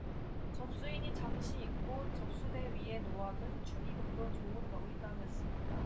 접수인이 잠시 잊고 접수대 위에 놓아둔 축의금도 좋은 먹잇감이었습니다